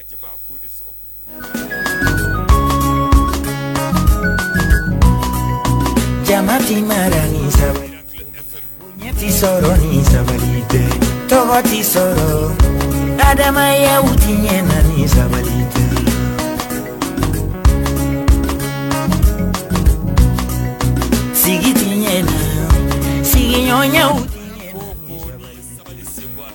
Jamafin mara ni saba t sɔrɔ ni sabali tɔɔrɔ tɛ sɔrɔ adama adamayaw tɛɲɛnaɲɛna ni sabali sigi tɛyɛn sigiɲɔgɔnyaw sabali